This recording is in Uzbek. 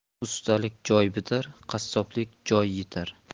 ustalik joy bitar qassoblik joy yitar